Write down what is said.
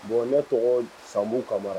Bon ne tɔgɔ san kamara